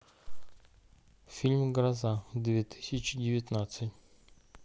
фильм гроза две тысячи девятнадцать